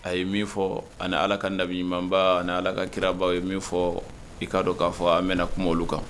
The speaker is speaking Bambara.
A ye min fɔ ani ala ka daminɛbi ɲumanba ni ala ka kirabaa ye min fɔ i ka dɔn k'a fɔ an mɛn kungo olu kan